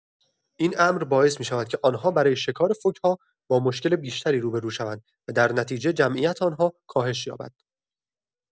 این امر باعث می‌شود که آن‌ها برای شکار فوک‌ها با مشکل بیشتری روبرو شوند و در نتیجه جمعیت آن‌ها کاهش یابد.